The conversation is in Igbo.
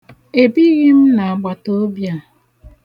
Ebighị m na agbataobi a